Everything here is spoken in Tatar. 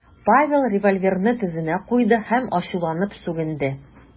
Павел револьверны тезенә куйды һәм ачуланып сүгенде .